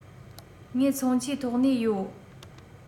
ངས མཚོན ཆའི ཐོག ནས ཡོད